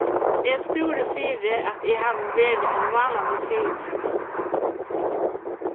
eg stúri fyri at eg havi verið ein vánalig fyrimynd